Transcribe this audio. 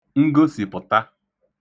ngosìpụ̀ta